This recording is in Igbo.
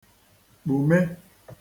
kpùme